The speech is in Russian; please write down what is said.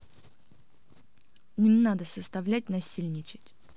не надо составлять насильничать